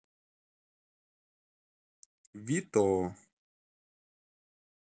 вито